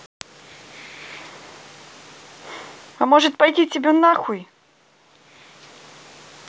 а может пойти тебя нахуй